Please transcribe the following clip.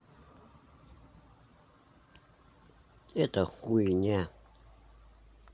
это хуйня